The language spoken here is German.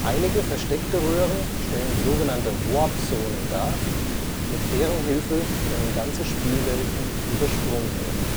Einige versteckte Röhren stellen sogenannte „ Warp-Zonen “dar. Mit deren Hilfe können ganze Spielwelten übersprungen werden